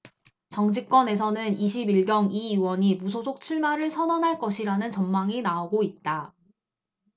정치권에서는 이십 일 경 이 의원이 무소속 출마를 선언할 것이라는 전망이 나오고 있다